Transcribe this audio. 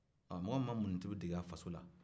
mɔgɔ min ma mɔni tobi degen a faso la